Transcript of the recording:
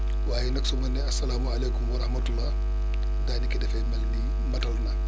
waaye nag su ma nee asalaamaaleykum wa rahmatulah daanaka dafay mel ni matal naa